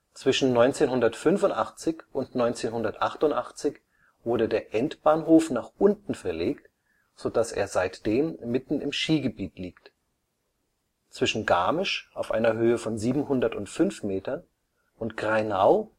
Zwischen 1985 und 1988 wurde der Endbahnhof nach unten verlegt, so dass er seitdem mitten im Skigebiet liegt. Zwischen Garmisch (705 m) und Grainau